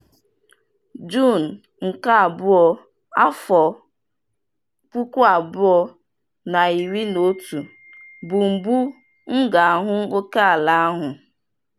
Juun 2nd 2011 bụ mbụ m ga-ahụ okeala ahụ.